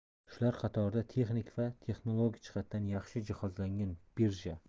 shular qatorida texnik va texnologik jihatdan yaxshi jihozlangan birja